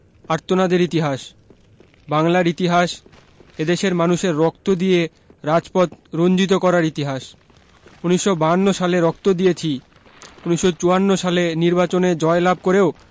আর্তনাদের ইতিহাস বাংলার ইতিহাস এদেশের মানুষের রক্ত দিয়ে রাজপথ রঞ্জিত করার ইতিহাস ১৯৫২ সালে রক্ত দিয়েছি ১৯৫৪ সালে নির্বাচনে জয় লাভ করেও